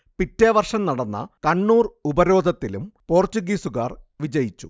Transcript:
പിറ്റെ വർഷം നടന്ന കണ്ണൂർ ഉപരോധത്തിലും പോർച്ചുഗീസുകാർ വിജയിച്ചു